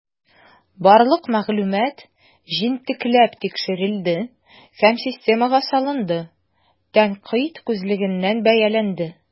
Барлык мәгълүмат җентекләп тикшерелде һәм системага салынды, тәнкыйть күзлегеннән бәяләнде.